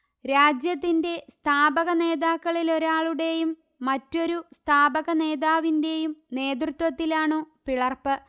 രാജ്യത്തിന്റെ സ്ഥാപക നേതാക്കളിലൊരാളുടെയും മറ്റൊരു സ്ഥാപക നേതാവിന്റെയും നേതൃത്വത്തിലാണു പിളർപ്പ്